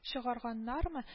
Чыгарганнармы